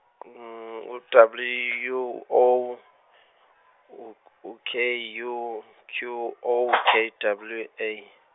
W O K U Q O J W A.